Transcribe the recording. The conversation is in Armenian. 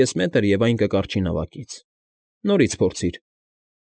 Կես մետր, և այն կկառչի նավակից։ Նորից փորձիր։